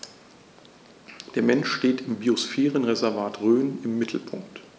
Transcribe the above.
Der Mensch steht im Biosphärenreservat Rhön im Mittelpunkt.